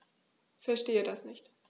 Verstehe das nicht.